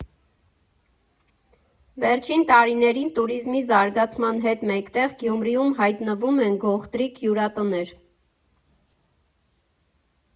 Վերջին տարիներին՝ տուրիզմի զարգացման հետ մեկտեղ, Գյումրիում հայտնվում են գողտրիկ հյուրատներ.